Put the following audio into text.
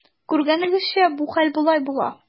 Күргәнегезчә, бу хәл болай була.